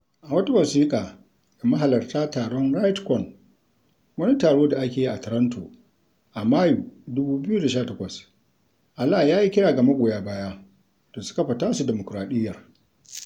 A wata wasiƙa ga mahalarta taron Rightcon, wani taro da ake yi a Toronto a Mayu, 2018, Alaa ya yi kira ga magoya baya da su "kafa [tasu] dimukuraɗiyyar".